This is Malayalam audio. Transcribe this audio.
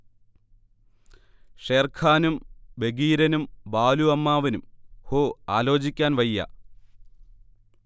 ഷേർഖാനും ബഗീരനും ബാലു അമ്മാവനും ഹോ ആലോചിക്കാൻ വയ്യ